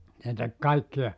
se teki kaikkia